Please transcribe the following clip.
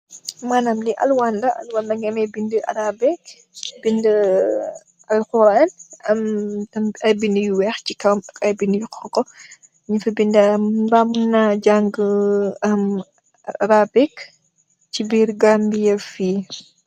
Maanam lii allawa la, allawa bi mu ngi am bindë, bindë alxuraan, am tamit ay bindë yu weex ak ay bindë yu xoñgu. Ñuñg fa bindë "Mbaa mu naa jaangë Arabic, ci biir Gambiya fii".